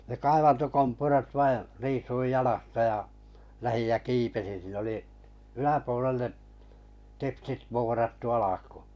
ne kaivantokompurat vain riisuin jalasta ja lähdin ja kiipesin siinä oli yläpuolelle teksit vuorattu alkuun